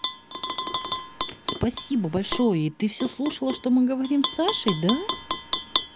спасибо большое и ты все слушала что мы говорим с сашей да